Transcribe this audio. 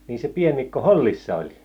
niin se pieni Mikko hollissa oli